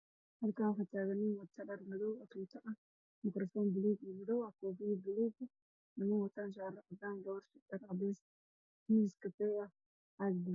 Halkaan waxaa taagan nin wato dhar madow oo tuute ah, makaroofan gaduud iyo madow ah, koofi buluug ah, niman wataan shaarar cadaan ah, gabar xijaab cadeys ah iyo caag madow.